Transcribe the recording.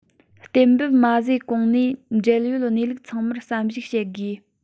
གཏན འབེབས མ བཟོས གོང ནས འབྲེལ ཡོད གནས ལུགས ཚང མར བསམ གཞིག བྱེད དགོས